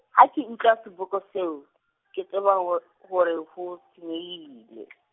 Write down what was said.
ha ke utlwa seboko seo , ke tseba hor-, hore ho, senyehile .